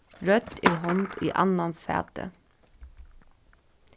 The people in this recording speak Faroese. rødd er hond í annans fati